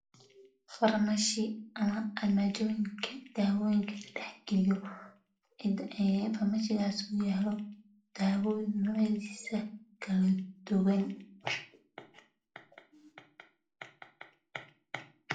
Meeshani waa meel mishiin ah iyo daawooyin